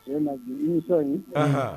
Tiɲɛ na bi denmisɛnniw. Ahan!